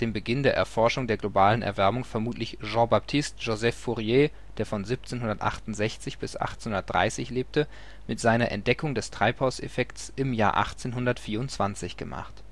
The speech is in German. Beginn der Erforschung der globalen Erwärmung vermutlich Jean Baptiste Joseph Fourier (1768 - 1830) mit seiner Entdeckung des Treibhauseffektes im Jahr 1824 gemacht